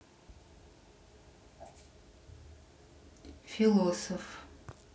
философ